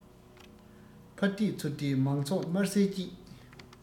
ཕར དེད ཚུར དེད མང ཚོགས དམར ཟས བཅད